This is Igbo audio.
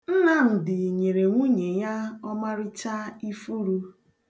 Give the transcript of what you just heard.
Nnamdị nyere nwunye ya ọmarịcha ifuru.